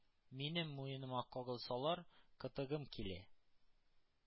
— минем муеныма кагылсалар, кытыгым килә,